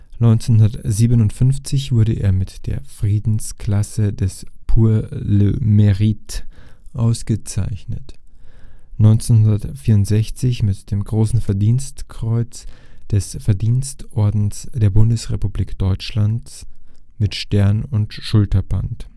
1957 wurde er mit der Friedensklasse des Pour le Mérite ausgezeichnet, 1964 mit dem Großen Verdienstkreuz des Verdienstordens der Bundesrepublik Deutschland mit Stern und Schulterband